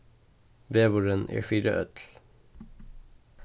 vegurin er fyri øll